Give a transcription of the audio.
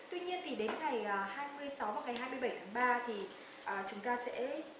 tuy nhiên thì đến ngày hai mươi sáu và ngày hai mươi bảy tháng ba thì chúng ta sẽ